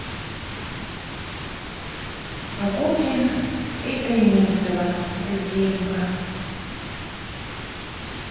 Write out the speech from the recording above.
агутин и тойминцева льдинка